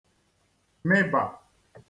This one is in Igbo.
mịbà